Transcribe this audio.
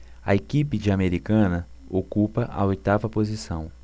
a equipe de americana ocupa a oitava posição